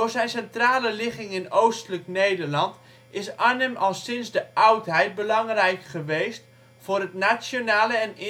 zijn centrale ligging in oostelijk Nederland is Arnhem al sinds de oudheid belangrijk geweest voor het nationale en